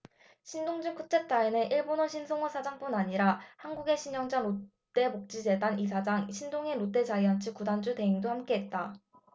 신동주 쿠데타에는 일본의 신선호 사장뿐 아니라 한국의 신영자 롯데복지재단 이사장 신동인 롯데자이언츠 구단주 대행도 함께했다